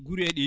gure ɗe